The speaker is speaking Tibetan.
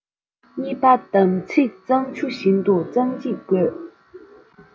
གཉིས པ དམ ཚིག གཙང ཆུ བཞིན དུ གཙང གཅིག དགོས